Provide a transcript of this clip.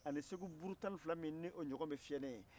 ani segu buru tan ni fila min ni o ɲɔgɔn fiyɛn ne ye